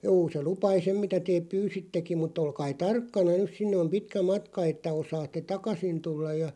juu se lupaili sen mitä te pyysittekin mutta olkaa tarkkana nyt sinne on pitkä matka että osaatte takaisin tulla ja